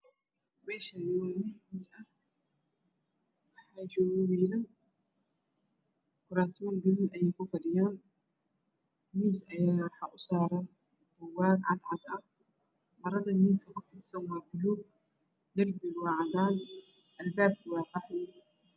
Meeshaan waa meel hool ah waxaa joogo wiilal. Kuraasman gaduud ah ayay kufadhiyaan miis ayaa waxaa u saaran buugaag cadcad marada miiska kufidsan madow darbigana waa cadaan albaabkuna waa qaxwi.